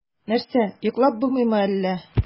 Нәрсә, йоклап булмыймы әллә?